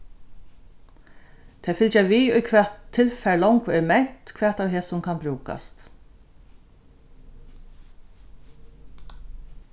tey fylgja við í hvat tilfar longu er ment hvat av hesum kann brúkast